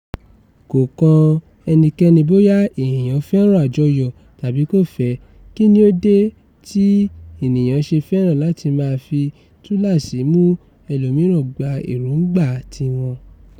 Kò kan ẹnikéni bóyá èèyàn féràn àjọyọ̀ tàbí kò fẹ́, kí ni ó dé tí àwọn ènìyàn ṣe fẹ́ràn láti máa fi túláàsì mú ẹlòmíràn gba èròńgbà ti wọn?